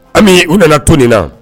Ami u nana to nin na